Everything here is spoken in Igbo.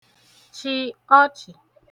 chị ọchị̀